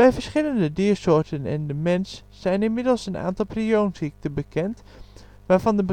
verschillende diersoorten en de mens zijn inmiddels een aantal prionziekten bekend, waarvan de